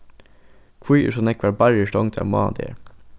hví eru so nógvar barrir stongdar mánadagar